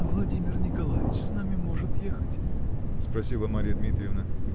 -- Владимир Николаич с нами может ехать? -- спросила Марья Дмитриевна.